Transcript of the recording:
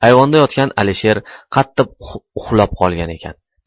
ayvonda yotgan alisher qattiq uxlab qolgan ekan